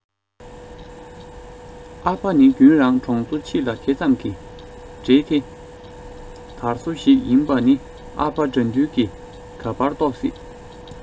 ཨ ཕ ནི རྒྱུན རང གྲོང ཚོ ཕྱི ལ དེ ཙམ གྱི འབྲེལ དེ དར སོ ཞིག ཡིན པ ནི ཨ ཕ དགྲ འདུལ གི ག པར རྟོག སྲིད